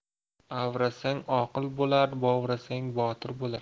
avrasang oqil bo'lar bovrasang botir bo'lar